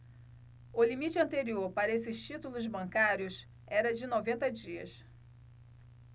o limite anterior para estes títulos bancários era de noventa dias